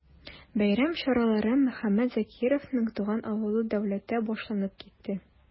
Бәйрәм чаралары Мөхәммәт Закировның туган авылы Дәүләттә башланып китте.